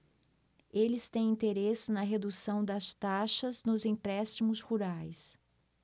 eles têm interesse na redução das taxas nos empréstimos rurais